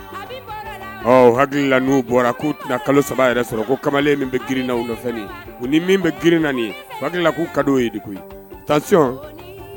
Hakili n' bɔra kalo saba yɛrɛ sɔrɔ ko kamalen min bɛ grinina min bɛ grin hakili k'u ka' ye duguc